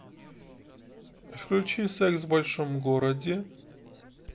включи секс в большом городе